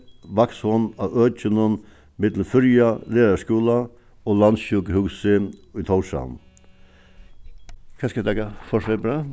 vaks hon á økinum millum føroya læraraskúla og landssjúkrahúsið í tórshavn hvat skal eg taka for frá her bara